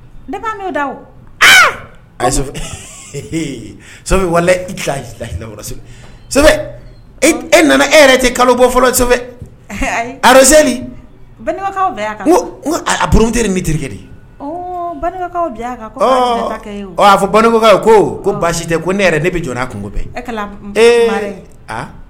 Wala la e nana e yɛrɛ tɛ kalo bɔ fɔlɔ arazkaw a porote bɛ terikɛ dekaw a fɔ balimainkaw ko ko baasi tɛ ko ne yɛrɛ ne bɛ jɔn kungo